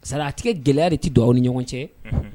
Sara a tɛgɛ gɛlɛya de tɛ dugaw aw ni ɲɔgɔn cɛ